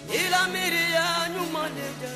I miiriya' manden